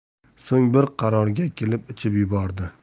so'ng bir qarorga kelib ichib yubordi